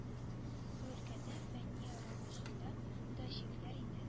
Бу өлкәдә фәнни аралашуны да чикләр иде